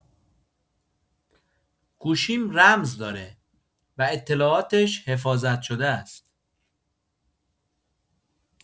گوشیم رمز داره و اطلاعاتش حفاظت‌شده‌س.